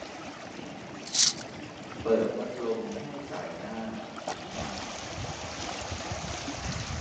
เปิดพัดลมให้ส่ายหน้าหันมาหาฉันหน่อย